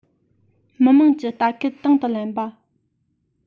མི དམངས ཀྱི ལྟ སྐུལ དང དུ ལེན པ